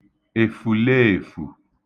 èfùleèfù